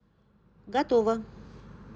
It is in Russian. готова